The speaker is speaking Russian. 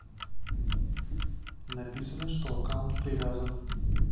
написано что аккаунт привязан